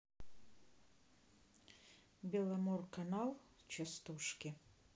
беломорканал частушки